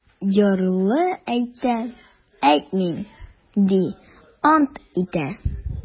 Ярлы әйтә: - әйтмим, - ди, ант итә.